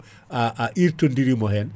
a irtodirimo hen